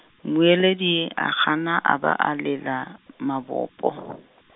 mmueledi a gana a ba a lela, mabopo.